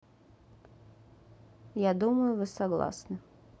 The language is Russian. я думаю вы согласны